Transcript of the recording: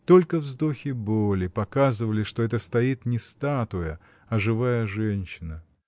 Только вздохи боли показывали, что это стоит не статуя, а живая женщина.